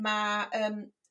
Ma' yym...